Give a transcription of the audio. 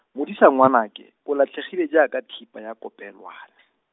Modisa ngwanake, o latlhegile jaaka thipa ya kopelwane.